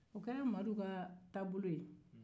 o kɛra madu ka taabolo ye